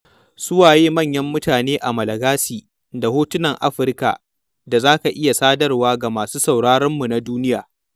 Su waye manyan mutane a Malagasy da Hotunan Afirka da za ka iya sadarwa ga masu sauraronmu na duniya?